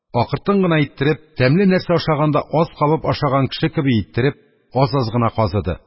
Акыртын гына иттереп, тәмле нәрсә ашаганда аз кабып ашаган кеше кеби иттереп, аз-аз гына казыды.